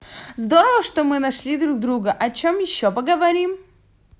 здорово что мы нашли друг друга о чем еще поговорим